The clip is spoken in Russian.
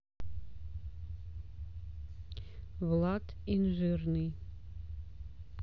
влад инжирный